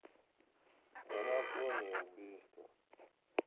анатомия убийства